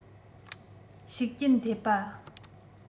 ཤུགས རྐྱེན ཐེབས པ